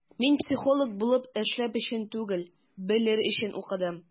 Мин психолог булып эшләр өчен түгел, белер өчен укыдым.